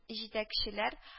Җитәкчеләр